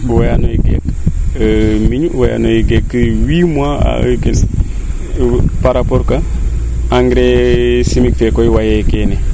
wara no geek miñu warano geek 8 mois par rapport engrais chimique fee koy wayee keene